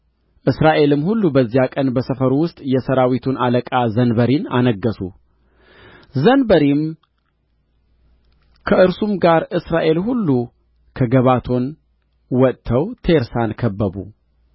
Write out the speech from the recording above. እስራኤልም ሁሉ በዚያ ቀን በሰፈሩ ውስጥ የሠራዊቱን አለቃ ዘንበሪን አነገሡ ዘንበሪም ከእርሱም ጋር እስራኤል ሁሉ ከገባቶን ወጥተው ቴርሳን ከበቡ